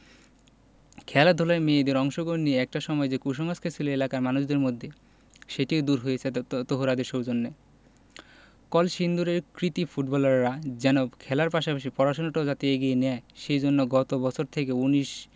খেলাধুলায় মেয়েদের অংশগ্রহণ নিয়ে একটা সময় যে কুসংস্কার ছিল এলাকার মানুষের মধ্যে সেটিও দূর হয়েছে তহুরাদের সৌজন্যে কলসিন্দুরের কৃতী ফুটবলাররা যেন খেলার পাশাপাশি পড়াশোনাটাও যাতে এগিয়ে নেয় সে জন্য গত বছর থেকে ১৯